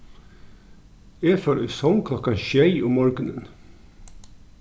eg fór í song klokkan sjey um morgunin